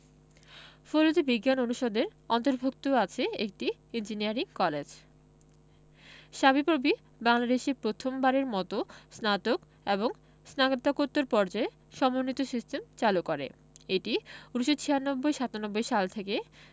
ফলিত বিজ্ঞান অনুষদের অন্তর্ভুক্ত আছে একটি ইঞ্জিনিয়ারিং কলেজ সাবিপ্রবি বাংলাদেশে প্রথম বারের মতো স্নাতক এবং স্নাতকোত্তর পর্যায়ে সমন্বিত সিস্টেম চালু করে এটি ১৯৯৬ ৯৭ সাল থেকে